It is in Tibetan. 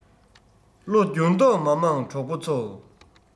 བློ འགྱུར ལྡོག མ མང གྲོགས པོ ཚོ